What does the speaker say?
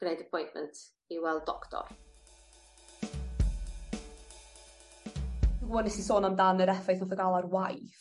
gwneud apointment i weld doctor. ŵan nes ti sôn amdan yr effaith nath o ga'l ar waith,